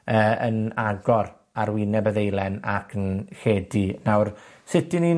yy yn agor ar wyneb y ddeilen ac yn lledu. Nawr, sut 'dyn ni'n